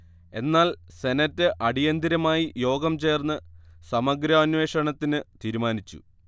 എന്നാൽ സെനറ്റ് അടിയന്തരമായി യോഗം ചേർന്ന് സമഗ്രാന്വേഷണത്തിന് തീരുമാനിച്ചു